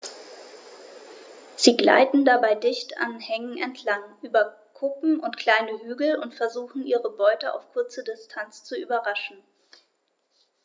Sie gleiten dabei dicht an Hängen entlang, über Kuppen und kleine Hügel und versuchen ihre Beute auf kurze Distanz zu überraschen.